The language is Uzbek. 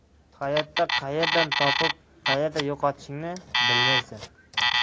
hayotda qayerdan topib qayerda yo'qotishingni bilmaysan